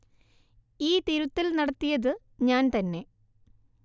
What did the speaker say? ഈ തിരുത്തൽ നടത്തിയത് ഞാൻ തന്നെ